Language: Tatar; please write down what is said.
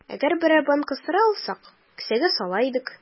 Әгәр берәр банка сыра алсак, кесәгә сала идек.